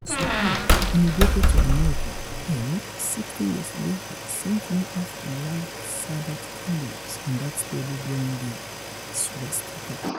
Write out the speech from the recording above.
She survived, immigrated to America and, 60 years later, sent me off to light Sabbath candles on that table bearing the swastika.